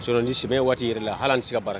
Sɔ ni sɛ waati yɛrɛ la hali nin se ka baara bara